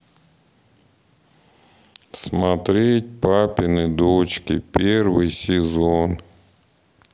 смотреть папины дочки первый сезон